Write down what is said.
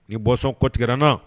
Ni bɔ bɔnsɔn cotigɛra n na